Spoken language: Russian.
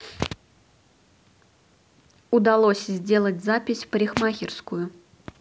удалось сделать запись в парикмахерскую